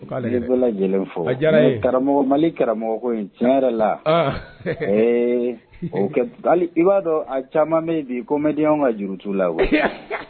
N bɛɛ lajɛlen fɔ. A diyara n ye. Karamɔgɔ, Mali karamɔgɔ ko in tiɲɛ yɛrɛ la,. ɛn! Ee, o kɛ hali i b'a dɔn a caaman bɛ yen comedien ka juru t'u la. .